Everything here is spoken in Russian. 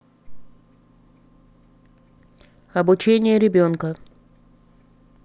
обучение ребенка